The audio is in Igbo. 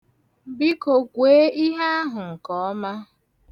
Biko, gwee ihe ahụ nke ọma.